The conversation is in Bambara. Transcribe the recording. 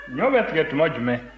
ɲɔ bɛ tigɛ tuma jumɛn